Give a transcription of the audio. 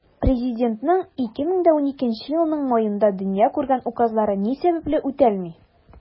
Президентның 2012 елның маенда дөнья күргән указлары ни сәбәпле үтәлми?